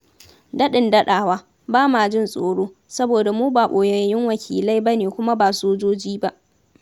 Daɗin daɗawa, ba ma jin tsoro, saboda mu ba ɓoyayyun wakilai ba ne kuma ba sojoji ba